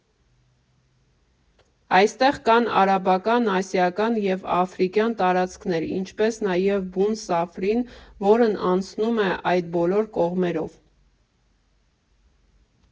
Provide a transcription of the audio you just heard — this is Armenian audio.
Այստեղ կան արաբական, ասիական և աֆրիկյան տարածքներ, ինչպես նաև բուն սաֆրին, որն անցնում է այդ բոլոր կողմերով։